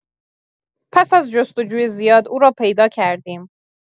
پس از جست جوی زیاد او را پیدا کردیم